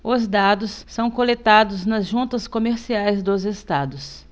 os dados são coletados nas juntas comerciais dos estados